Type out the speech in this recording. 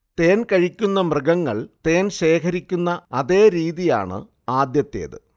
തേൻകഴിക്കുന്ന മൃഗങ്ങൾ തേൻശേഖരിക്കുന്ന അതേ രീതിയാണ് ആദ്യത്തേത്